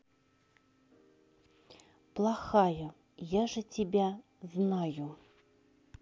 плохая я же тебя знаю